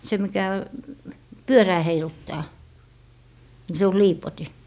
se mikä pyörää heiluttaa niin se on liipotin